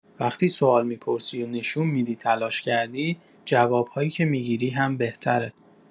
وقتی سوال می‌پرسی و نشون می‌دی تلاش کردی، جواب‌هایی که می‌گیری هم بهتره.